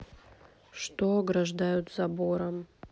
что ограждают забором